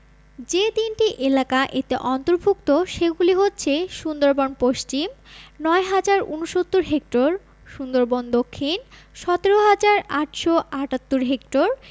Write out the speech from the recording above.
যে তিনটি এলাকা এতে অন্তর্ভুক্ত সেগুলি হচ্ছে সুন্দরবন পশ্চিম ৯হাজার ৬৯ হেক্টর সুন্দরবন দক্ষিণ ১৭হাজার ৮৭৮ হেক্টর